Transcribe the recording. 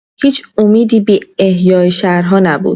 هیچ امیدی به احیای شهرها نبود.